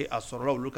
E a sɔrɔla olu ka